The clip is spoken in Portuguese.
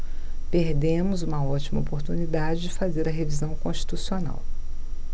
perdemos uma ótima oportunidade de fazer a revisão constitucional